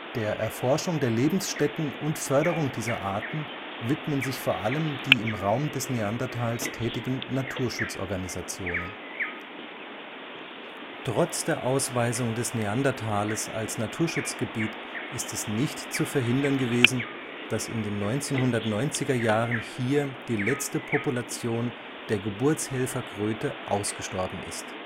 Der Erforschung der Lebensstätten und Förderung dieser Arten widmen sich vor allem die im Raum des Neandertals tätigen Naturschutzorganisationen. Trotz der Ausweisung des Neandertales als Naturschutzgebiet ist es nicht zu verhindern gewesen, dass in den 1990er Jahren hier die letzte Population der Geburtshelferkröte (Alytes obstetricans) ausgestorben ist